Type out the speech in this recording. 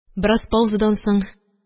Бераз паузадан соң